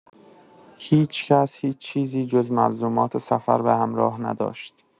هیچ‌کس هیچ‌چیزی جز ملزومات سفر به همراه نداشت.